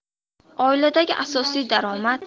oiladagi asosiy daromad